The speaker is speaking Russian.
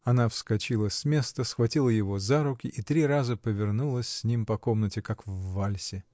Она вскочила с места, схватила его за руки и три раза повернулась с ним по комнате, как в вальсе.